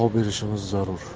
baho berishimiz zarur